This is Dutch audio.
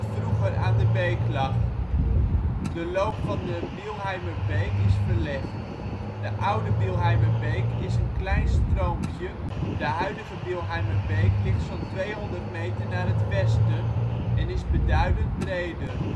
vroeger aan de beek lag. De loop van de Bielheimerbeek is verlegd. De ' oude ' Bielheimerbeek is een klein stroompje, de huidige Bielheimerbeek ligt zo 'n 200 meter naar het westen, en is beduidend breder